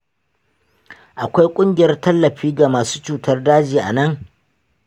akwai ƙungiyar tallafi ga masu cutar daji a nan?